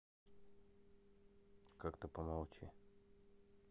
как то помолчи